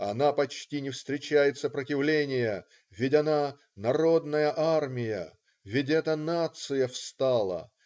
Она почти не встречает сопротивления. Ведь она народная армия!!. Ведь это нация встала!!.